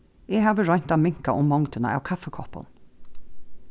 eg havi roynt at minka um mongdina av kaffikoppum